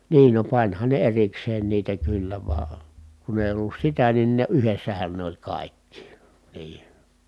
niin no panihan ne erikseen niitä kyllä vaan kun ei ollut sitä niin ne yhdessähän ne oli kaikki niin